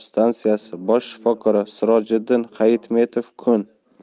stansiyasi bosh shifokori sirojiddin hayitmetov kun